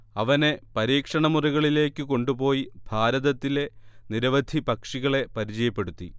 അവനെ പരീക്ഷണമുറികളിലേക്കു കൊണ്ടുപോയി ഭാരതത്തിലെ നിരവധി പക്ഷികളെ പരിചയപ്പെടുത്തി